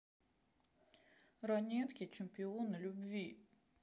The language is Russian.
ранетки чемпионы любви